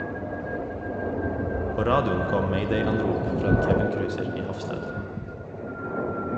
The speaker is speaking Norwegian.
På radioen kom mayday-anrop fra en cabincruiser i havsnød.